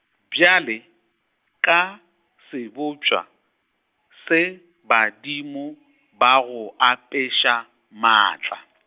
bjale, ka, sebopša, se, badimo , ba go apeša, maatla .